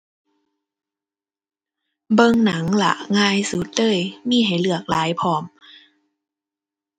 เบิ่งหนังล่ะ ง่ายสุดเลย มีให้เลือกหลายพร้อม